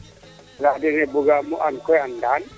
um laya den ne bugaam o and koy a Ndane